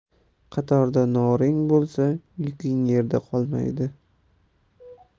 qatorda noring bo'lsa yuking yerda qolmaydi